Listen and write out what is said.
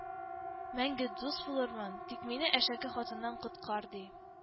Мәңге дуст булырмын, тик мине әшәке хатыннан коткар,— ди